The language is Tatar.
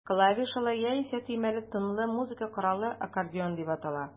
Клавишалы, яисә төймәле тынлы музыка коралы аккордеон дип атала.